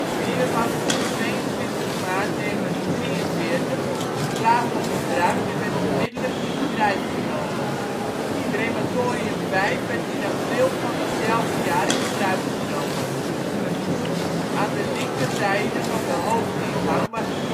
was op 22 maart 1943 klaar voor gebruik en werd onmiddellijk in bedrijf genomen. Crematorium V werd in april van datzelfde jaar in gebruik genomen. Aan de linkerzijde van de hoofdingang was een